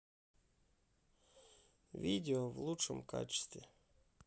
видео в лучшем качестве